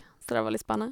Så det var litt spennende.